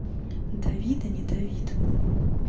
давиде не давид